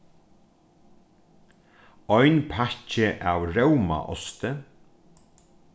ein pakki av rómaosti